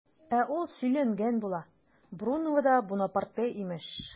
Ә ул сөйләнгән була, Бруновода Бунапарте имеш!